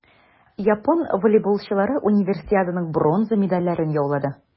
Япон волейболчылары Универсиаданың бронза медальләрен яулады.